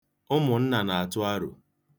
Ụmụnna na-atụ aro.